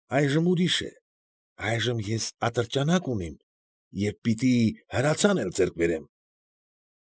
Այժմ ուրիշ է, այժմ ես ատրճանակ ունիմ և պիտի հրացան էլ ձեռք բերեմ։